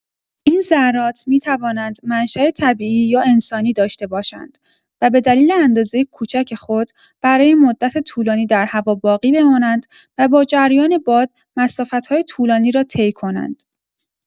این ذرات می‌توانند منشأ طبیعی یا انسانی داشته باشند و به دلیل اندازه کوچک خود، برای مدت طولانی در هوا باقی بمانند و با جریان باد مسافت‌های طولانی را طی کنند.